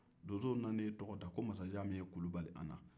donsow nana i tɔgɔ da ko masajan min ye kulu bali an